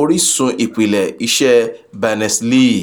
orísun ìpìlẹ̀ iṣẹ́ Berners-Lee.